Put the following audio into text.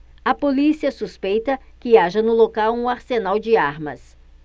a polícia suspeita que haja no local um arsenal de armas